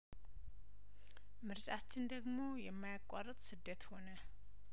ምርጫችን ደግሞ የማያቋርጥ ስደት ሆነ